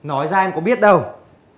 nói ra em có biết đâu